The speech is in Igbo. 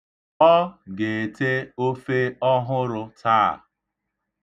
Ọ ga-ete ofe ọhụrụ taa.